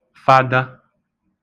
fada